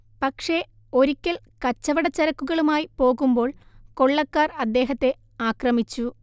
പക്ഷെ ഒരിക്കൽ കച്ചവടച്ചരക്കുകളുമായി പോകുമ്പോൾ കൊള്ളക്കാർ അദ്ദേഹത്തെ ആക്രമിച്ചു